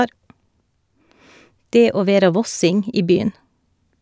Det å vera vossing i by'n.